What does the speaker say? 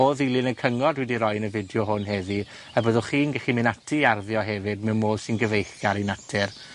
o ddilyn y cyngor dwi 'di roi yn y fideo hwn heddiw y byddwch chi'n gellu mynd ati i arddio hefyd mewn modd sy'n gyfeillgar i natur.